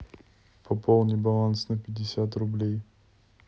пополни баланс на пятьдесят рублей